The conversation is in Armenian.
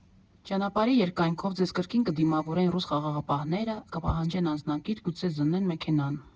Ճանապարհի երկայնքով ձեզ կրկին կդիմավորեն ռուս խաղաղապահները, կպահանջեն անձնագիր, գուցե զննեն մեքենան։